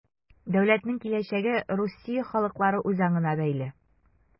Дәүләтнең киләчәге Русия халыклары үзаңына бәйле.